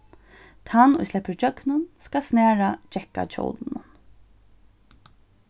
tann ið sleppur ígjøgnum skal snara gekkahjólinum